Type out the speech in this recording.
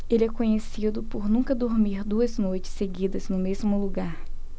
ele é conhecido por nunca dormir duas noites seguidas no mesmo lugar